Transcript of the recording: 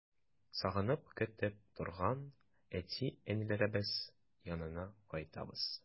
Сагынып көтеп торган әти-әниләребез янына кайтабыз.